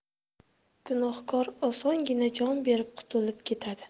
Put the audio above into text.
gunohkor osongina jon berib qutulib ketadi